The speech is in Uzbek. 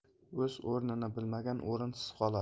o'z o'rnini bilmagan o'rinsiz qolar